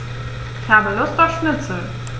Ich habe Lust auf Schnitzel.